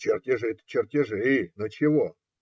- Чертежи-то чертежи, но чего?